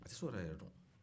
a tɛ so in yɛrɛ yɔrɔ don